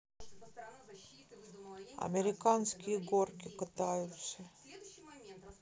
американские горки катаются